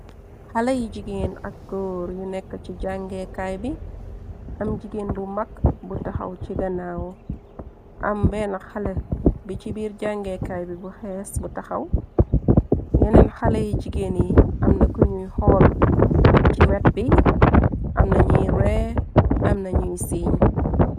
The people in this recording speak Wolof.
Xale yi jigéen ak góor yu nekk ci jàngeekaay bi am jigéen bu mag bu taxaw ci ganaaw am benn xalé bi ci biir jàngeekaay bi bu xees bu taxaw yeneen xalé yi jigeen yi amna ko ñuy xool ci wet bi amna ñuy rée am nañuy siiñ.